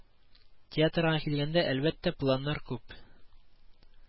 Театрга килгәндә, әлбәттә, планнар күп